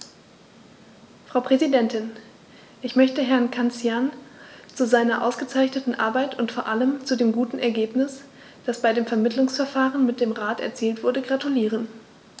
Frau Präsidentin, ich möchte Herrn Cancian zu seiner ausgezeichneten Arbeit und vor allem zu dem guten Ergebnis, das bei dem Vermittlungsverfahren mit dem Rat erzielt wurde, gratulieren.